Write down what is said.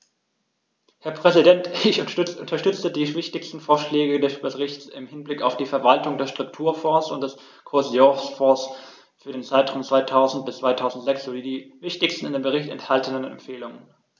Herr Präsident, ich unterstütze die wichtigsten Vorschläge des Berichts im Hinblick auf die Verwaltung der Strukturfonds und des Kohäsionsfonds für den Zeitraum 2000-2006 sowie die wichtigsten in dem Bericht enthaltenen Empfehlungen.